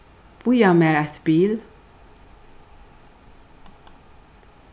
bíða mær eitt bil